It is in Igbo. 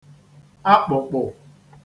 akpụ̀kpụ̀